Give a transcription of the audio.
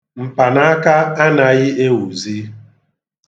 Mpanaaka anaghị ewuzi.